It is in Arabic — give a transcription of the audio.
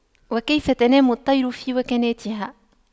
وكيف تنام الطير في وكناتها